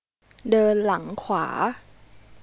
เดินหลังขวา